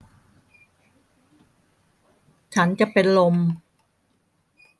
ฉันจะเป็นลม